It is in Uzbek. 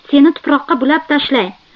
seni tuproqqa bulab tashlay